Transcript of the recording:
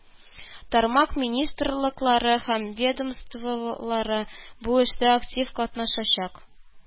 Тармак министрлыклары һәм ведомстволары бу эштә актив катнашачак